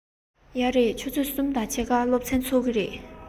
ཡོད རེད ཆུ ཚོད གསུམ དང ཕྱེད ཀར སློབ ཚན ཚུགས ཀྱི རེད